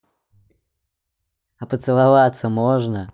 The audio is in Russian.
поцеловаться можно